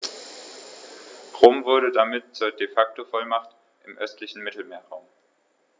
Rom wurde damit zur ‚De-Facto-Vormacht‘ im östlichen Mittelmeerraum.